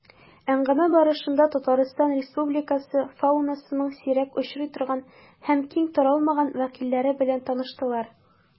Әңгәмә барышында Татарстан Республикасы фаунасының сирәк очрый торган һәм киң таралмаган вәкилләре белән таныштылар.